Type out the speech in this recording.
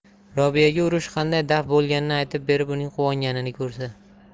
robiyaga urush qanday daf bo'lganini aytib berib uning quvonganini ko'rsa